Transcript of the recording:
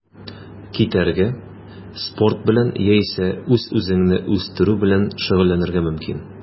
Китәргә, спорт белән яисә үз-үзеңне үстерү белән шөгыльләнергә мөмкин.